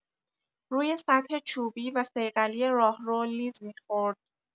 روی سطح چوبی و صیقلی راهرو لیز می‌خورد